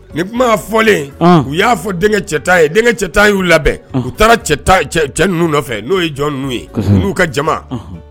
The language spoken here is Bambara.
Ni kuma fɔlen u y'a fɔ denkɛ cɛta ye denkɛ cɛta y'u labɛn u taara cɛ nɔfɛ n'o ye jɔn ye n'u ka jama